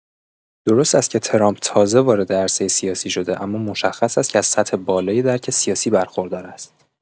درست است که ترامپ تازه‌وارد عرصه سیاسی شده، اما مشخص است که از سطح بالای درک سیاسی برخوردار است.